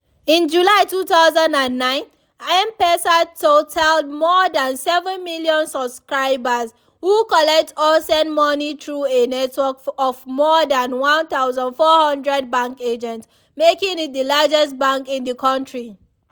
In July 2009 M-Pesa totaled more than seven million subscribers, who collect or send money through a network of more than 1400 bank agents, making it the largest bank in the country.